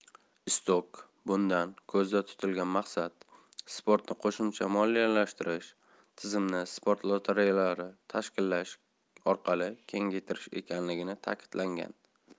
istockbundan ko'zda tutilgan maqsad sportni qo'shimcha moliyalashtirish tizimini sport lotereyalari tashkillash orqali kengaytirish ekanligi ta'kidlangan